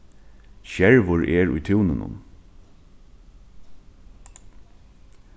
skervur er í túninum